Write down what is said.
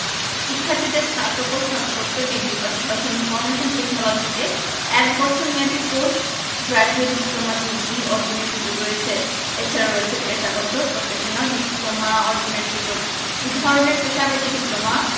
শিক্ষার্থীদের স্নাতক ও স্নাতকোত্তর ডিগ্রির পাশাপাশি ইনফরমেশন টেকনোলজিতে এক বছর মেয়াদি পোস্ট গ্রাজুয়েট ডিপ্লোমা ডিগ্রি অর্জনের সুযোগ রয়েছে এছাড়া রয়েছে পেশাগত প্রফেশনাল ডিপ্লোমা অর্জনের সুযোগ দুধরনের পেশাগত ডিপ্লোমা